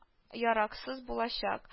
Яраксыз булачак